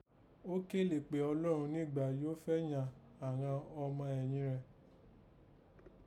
Ó kélè kpè Ọlọ́run nígbà yìí ó fẹ́ yàn àghan ọma ẹ̀yin Rẹ̀